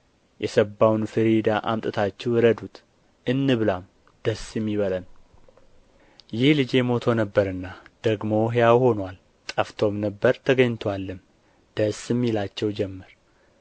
የሰባውን ፊሪዳ አምጥታችሁ እረዱት እንብላም ደስም ይበለን ይህ ልጄ ሞቶ ነበርና ደግሞም ሕያው ሆኖአል ጠፍቶም ነበር ተገኝቶአልም ደስም ይላቸው ጀመር